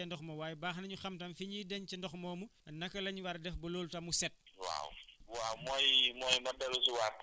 kon ñooñu baax na ñu xam nu ñuy dencee ndox moomu waaye baax na ñu xam tam fi ñiy denc ndox moomu naka la ñu war a def ba loolu tam mu set